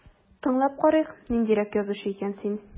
Тыңлап карыйк, ниндирәк язучы икән син...